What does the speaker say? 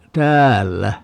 täällä